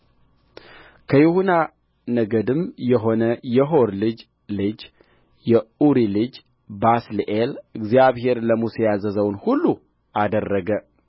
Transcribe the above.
ከይሁዳ ነገድም የሆነ የሆር የልጅ ልጅ የኡሪ ልጅ ባስልኤል እግዚአብሔር ለሙሴ ያዘዘውን ሁሉ አደረገ